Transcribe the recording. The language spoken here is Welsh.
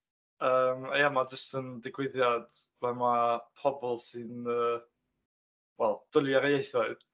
Yym ia, mae jyst yn ddigwyddiad ble mae pobl sy'n yy, wel, dwlu ar ieithoedd.